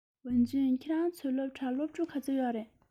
ཝུན ཅུན ཁྱོད རང ཚོའི སློབ གྲྭར སློབ ཕྲུག ག ཚོད ཡོད རེད